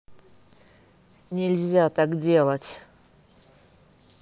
нельзя так делать